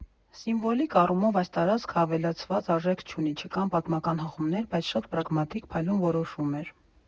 Սիմվոլիկ առումով այս տարածքը ավելացված արժեք չունի, չկան պատմական հղումներ, բայց շատ պրագմատիկ, փայլուն որոշում էր։